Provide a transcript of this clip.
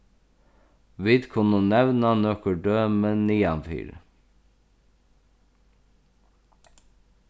vit kunnu nevna nøkur dømi niðanfyri